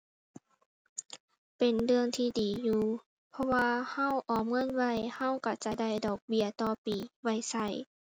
เป็นเรื่องที่ดีอยู่ เพราะว่าเราออมเงินไว้ เราเราจะได้ดอกเบี้ยต่อปีไว้เรา